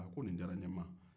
a ko nin diyara n ye maa